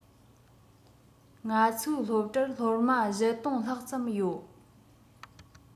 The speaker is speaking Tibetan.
ང ཚོའི སློབ གྲྭར སློབ མ ༤༠༠༠ ལྷག ཙམ ཡོད